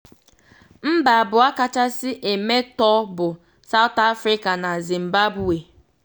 Mba abụọ kachasi emetọọ bụ South Africa na Zimbabwe.